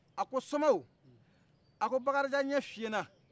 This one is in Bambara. a ko somaw a ko bakarijan ɲɛ fiyɛn na